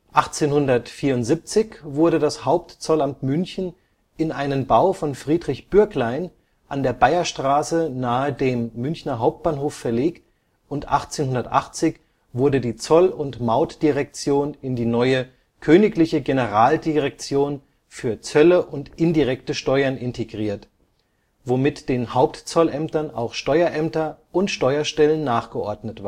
1874 wurde das Hauptzollamt München in einen Bau von Friedrich Bürklein an der Bayerstraße nahe dem Münchner Hauptbahnhof verlegt und 1880 wurde die Zoll - und Mautdirektion in die neue Königliche Generaldirektion für Zölle und indirekte Steuern integriert, womit den Hauptzollämtern auch Steuerämter und Steuerstellen nachgeordnet